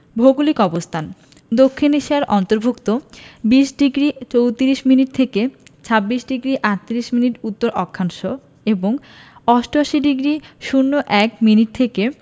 ভৌগোলিক অবস্থানঃ দক্ষিণ এশিয়ার অন্তর্ভুক্ত ২০ডিগ্রি ৩৪ মিনিট থেকে ২৬ ডিগ্রি ৩৮ মিনিট উত্তর অক্ষাংশ এবং ৮৮ ডিগ্রি ০১ মিনিট থেকে